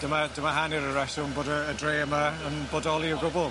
Dyma dyma hanner y reswm bod y y dre yma yn bodoli o gwbwl.